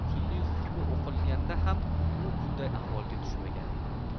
sudning hukmi o'qilganda ham u bunday ahvolga tushmagan edi